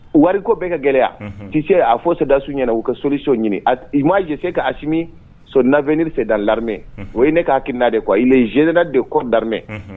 Wariko bɛ ka gɛlɛya kise a fɔ sedas ɲ ɲɛna u ka soriso ɲini i m ma jɛse ka asimi sodafɛn ne bɛ seda laremɛ o ye ne k'akiina de'' zeina de kɔdamɛ